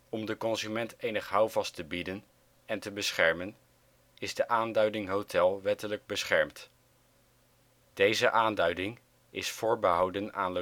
Om de consument enig houvast te bieden en te beschermen is de aanduiding ' hotel ' wettelijk beschermd. Deze aanduiding is voorbehouden aan